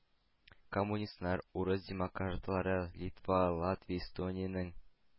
Коммунистлар, урыс демократлары Литва, Латвия, Эстониянең